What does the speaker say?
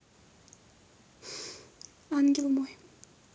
ангел мой